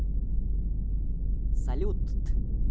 салют т